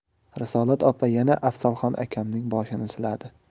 risolat opa yana afzalxon akamning boshini siladi